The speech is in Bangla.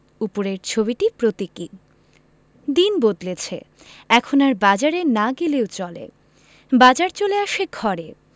উপরের ছবিটি প্রতীকী দিন বদলেছে এখন আর বাজারে না গেলেও চলে বাজার চলে আসে ঘরে